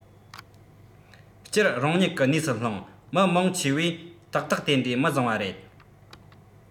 སྤྱིར རང ཉིད གི གནས སུ ལྷུང མི མང ཆེ བས ཏག ཏག དེ འདྲའི མི བཟང བ རེད